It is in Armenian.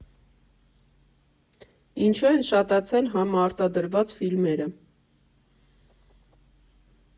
Ինչու են շատացել համարտադրված ֆիլմերը։